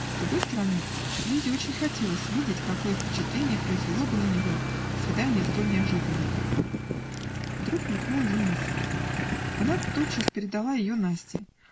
С другой стороны, Лизе очень хотелось видеть, какое впечатление произвело бы на него свидание столь неожиданное. Вдруг мелькнула ей мысль. Она тотчас передала ее Насте